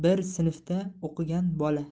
sinfda o'qigan bola